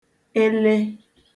ele